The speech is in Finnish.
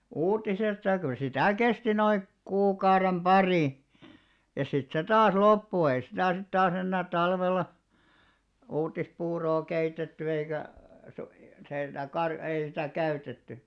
uutisesta ja kyllä sitä kesti noin kuukauden pari ja sitten se taas loppui ei sitä sitten taas enää talvella uutispuuroa keitetty eikä - se ei sitä - ei sitä käytetty